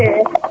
eyyi